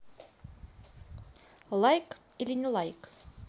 лайк или не like